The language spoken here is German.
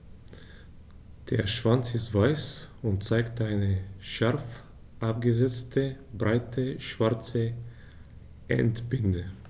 Der Schwanz ist weiß und zeigt eine scharf abgesetzte, breite schwarze Endbinde.